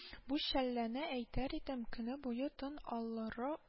—бу чәлләне әйтәр идем, көне буе тын алыры